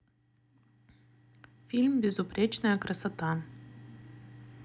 фильм безупречная красота